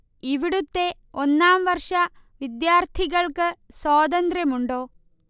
ഇവിടുത്തെ ഒന്നാം വർഷ വിദ്യാർത്ഥികൾക്ക് സ്വാതന്ത്ര്യമുണ്ടോ